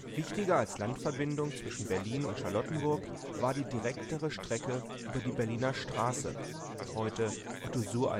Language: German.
Wichtiger als Landverbindung zwischen Berlin und Charlottenburg war die direktere Strecke über die Berliner Straße (heute Otto-Suhr-Allee